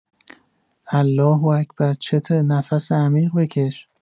الله‌اکبر چته نفس عمیق بکش